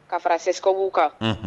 Ka fara se CSCOM kan